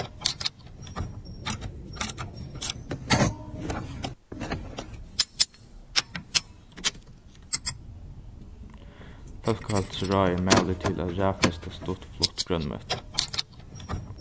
fólkaheilsuráðið mælir til at raðfesta stuttflutt grønmeti